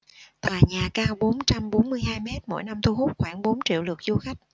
tòa nhà cao bốn trăm bốn mươi hai mét mỗi năm thu hút khoảng bốn triệu lượt du khách